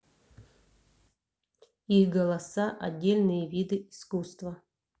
их голоса отдельные виды искусства